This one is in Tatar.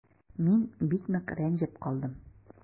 Мин бик нык рәнҗеп калдым.